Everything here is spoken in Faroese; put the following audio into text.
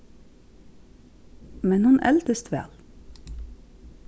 men hon eldist væl